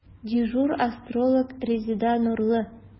Дежур астролог – Резеда Нурлы.